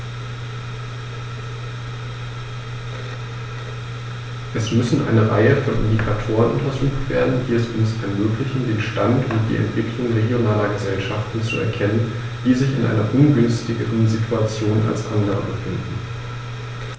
Es müssen eine Reihe von Indikatoren untersucht werden, die es uns ermöglichen, den Stand und die Entwicklung regionaler Gesellschaften zu erkennen, die sich in einer ungünstigeren Situation als andere befinden.